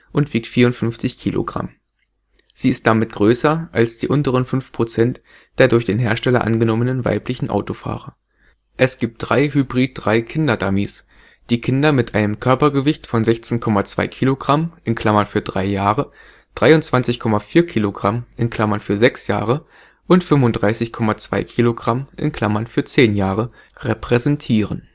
und wiegt 54 kg. Sie ist damit größer als die unteren 5 % der durch den Hersteller angenommenen weiblichen Autofahrer. Es gibt drei Hybrid-III-Kinder-Dummies, die Kinder mit einem Körpergewicht von 16,2 kg (für drei Jahre), 23,4 kg (für sechs Jahre) und 35,2 kg (für zehn Jahre) repräsentieren